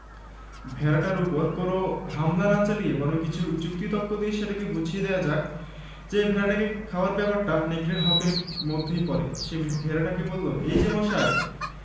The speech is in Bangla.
সিঙ্গার ফ্রিজ ফ্রিজার কিনে ক্রেতা তার নিজস্ব মোবাইল নম্বর থেকে ৬৯৬৯ নম্বরে ম্যাসেজ পাঠিয়ে দিয়ে ক্রয়কৃত ফ্রিজ বা ফ্রিজারটির পুরো মূল্য ফেরত পেতে পারেন এ ছাড়া